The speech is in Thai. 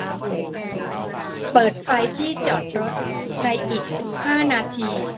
เปิดไฟที่จอดรถในอีกสิบห้านาที